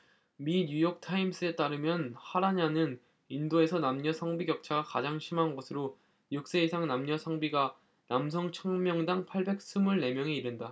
미 뉴욕타임스에 따르면 하랴냐는 인도에서 남녀 성비 격차가 가장 심한 곳으로 육 세 이상 남녀 성비가 남성 천 명당 팔백 스물 네 명에 이른다